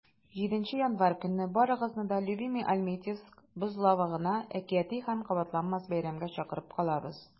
7 гыйнвар көнне барыгызны да "любимыйальметьевск" бозлавыгына әкияти һәм кабатланмас бәйрәмгә чакырып калабыз!